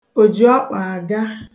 òjìọkpààga